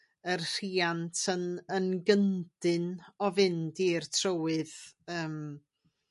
yr rhiant yn yn gyndyn o fynd i'r trywydd yym